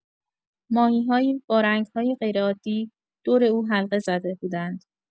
ماهی‌هایی با رنگ‌های غیرعادی دور او حلقه‌زده بودند.